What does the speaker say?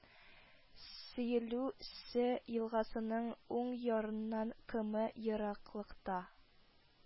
Соелю-Се елгасының уң ярыннан км ераклыкта